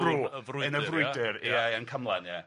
yn y frwydyr... Ia ia yw cymlan ia.